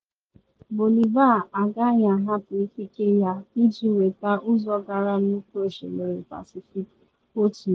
“Bolivia agaghị ahapụ ikike ya iji nweta ụzọ gara Nnukwu Osimiri Pasifik,” o tinyere.